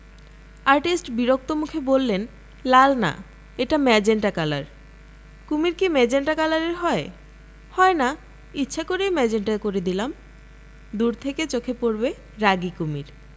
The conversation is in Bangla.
আর্টিস্ট বিরক্ত মুখে বললেন লাল না এটা মেজেন্টা কালার কুমীর কি মেজেন্টা কালারের হয় হয় না ইচ্ছা করেই মেজেন্টা করে দিলাম দূর থেকে চোখে পড়বে রাগী কুমীর